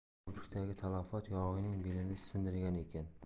ko'prikdagi talafot yog'iyning belini sindirgan ekan